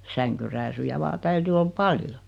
sänkyrääsyjä vain täytyi olla paljon